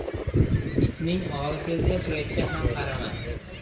itning ori kelsa suyakka ham qaramas